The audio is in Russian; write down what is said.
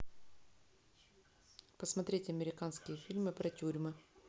посмотреть американские фильмы про тюрьмы